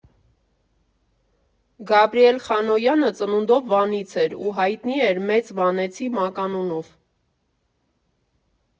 Գաբրիել Խանոյանը ծնունդով Վանից էր ու հայտնի էր «Մեծ վանեցի» մականունով։